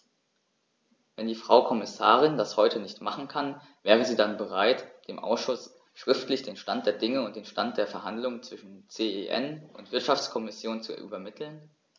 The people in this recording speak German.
Wenn die Frau Kommissarin das heute nicht machen kann, wäre sie dann bereit, dem Ausschuss schriftlich den Stand der Dinge und den Stand der Verhandlungen zwischen CEN und Wirtschaftskommission zu übermitteln?